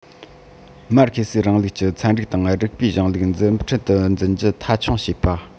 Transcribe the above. མར ཁེ སིའི རིང ལུགས ཀྱི ཚན རིག དང རིགས པའི གཞུང ལུགས མཛུབ ཁྲིད དུ འཛིན རྒྱུ མཐའ འཁྱོངས བྱེད པ